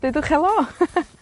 dedwch helo.